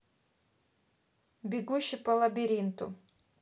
бегущий по лабиринту